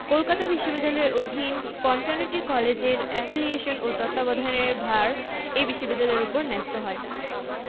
কলকাতা বিশ্ববিদ্যালয়ের অধীন ৫৫টি কলেজের এফিলিয়েশন ও তত্ত্বাবধানের ভার এ বিশ্ববিদ্যালয়ের ওপর ন্যস্ত হয়